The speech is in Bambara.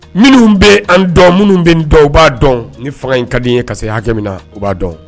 Minnu bɛ an dɔn minnu bɛ dɔn u b'a dɔn ni fanga in ka di ye karisa hakɛ na u b'a dɔn